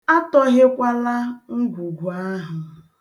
Atọhekwala ngwugwu ahụ.